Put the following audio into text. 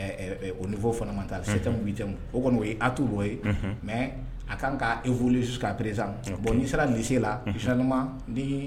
Ninfɔ fanama taa se tɛmu jamumu o kɔni ye atu bɔ ye mɛ a ka kan k' e wuli su k aperez bɔn n'i sera ninse lama